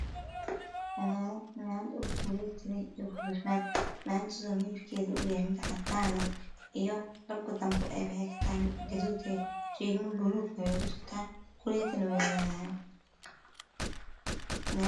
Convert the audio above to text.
Waa fanaanad midabkeedu yahay caddaan gudood boombal cadaan ay ku jirtaa